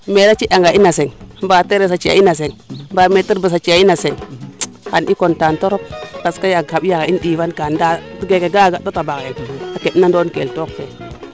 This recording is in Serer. maire a ci anga in a seng mba therese a ciya in a seng mba maitre Basse a ciya in a seng xa i contente trop parce que yaga a mbiya xe in ndiifan kaan ndaa keeke o ga a ga te tabaxel a keɓ na doon kel took fee